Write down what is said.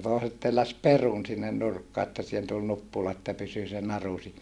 toiset telläsi perun sinne nurkkaan että siihen tuli nuppula että pysyi se naru siinä